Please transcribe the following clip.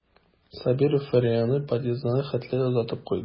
Сабиров Фираяны подъездына хәтле озатып куйды.